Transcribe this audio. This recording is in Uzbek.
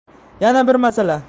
yana bir masala